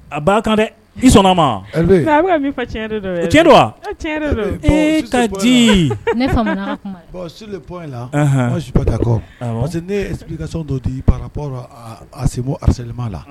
A ba kan dɛ i sɔn ma ne bɔn parce que kasɔn dɔ di parap a se bɔ aralilima la